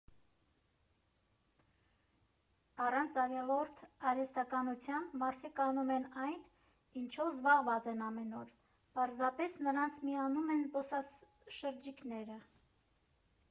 Առանց ավելորդ արհեստականության՝ մարդիկ անում են այն, ինչով զբաղված են ամեն օր, պարզապես նրանց միանում են զբոսաշրջիկները։